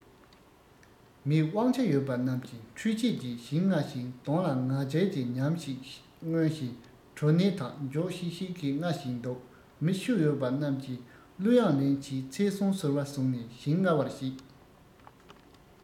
མི དབང ཆ ཡོད པ རྣམས ཀྱིས འཕྲུལ ཆས ཀྱིས ཞིང རྔ བཞིན གདོང ལ ང རྒྱལ གྱི ཉམས ཤིག མངོན བཞིན གྲོ ནས དག མགྱོགས ཤིག ཤིག གིས རྔ བཞིན འདུག མི ཤུགས ཡོད པ རྣམས ཀྱིས གླུ དབྱངས ལེན གྱིན ཚེས གསུམ ཟོར བ བཟུང ནས ཞིང རྔ བར བྱེད